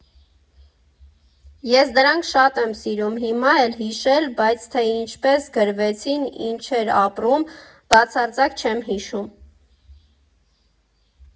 Ես դրանք շատ եմ սիրում հիմա էլ հիշել, բայց թե ինչպես գրվեցին, ինչ էի ապրում, բացարձակ չեմ հիշում։